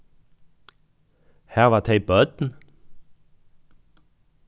hava tey børn